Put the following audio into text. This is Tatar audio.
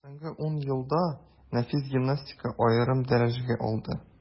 Соңгы ун елда нәфис гимнастика аерым дәрәҗәгә алды.